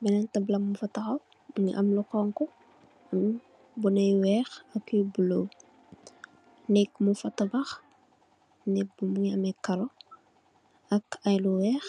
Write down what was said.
bénen tabla bi, mu ngi am lu xoñxu, bindë yu weex, neeg muñ fa tabax, ak ay lu weex,